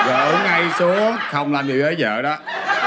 gỡ ngay xuống không anh bị ế vợ đó